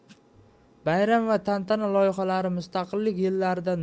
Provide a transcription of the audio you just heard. bayram va tantana loyihalari mustaqillik yillarida